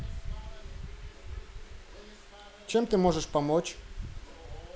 чем ты можешь помочь